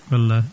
wallahi